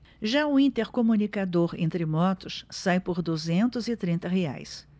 já o intercomunicador entre motos sai por duzentos e trinta reais